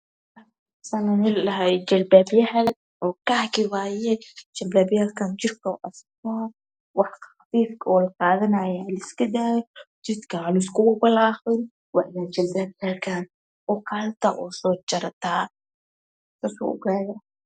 Jalbabyadan kaki waye waxaa qafiifka ha liska dayo